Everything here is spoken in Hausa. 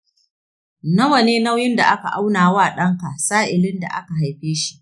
nawa ne nauyin da aka auna wa ɗanka sa'ilin da aka haife shi?